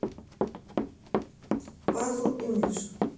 пазл инглиш